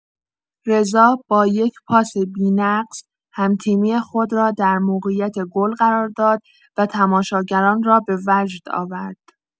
رضا با یک پاس بی‌نقص، هم‌تیمی خود را در موقعیت گل قرار داد و تماشاگران را به وجد آورد.